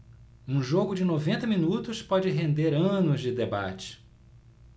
um jogo de noventa minutos pode render anos de debate